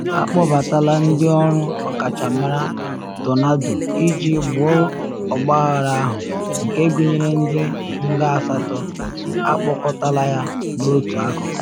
Akpọbatala ndị ọrụ ọkachamara “Tornado” iji gboo ọgbaghara ahụ, nke gụnyere ndị nga asatọ, akpakọtala ya n’otu akụkụ.